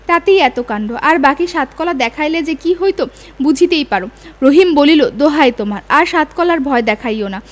তাতেই এত কাণ্ড আর বাকী সাত কলা দেখাইলে কি যে হইত বুঝিতেই পার রহিম বলিল দোহাই তোমার আর সাত কলার ভয় দেখাইও না